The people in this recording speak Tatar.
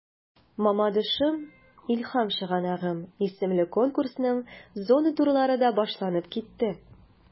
“мамадышым–илһам чыганагым” исемле конкурсның зона турлары да башланып китте.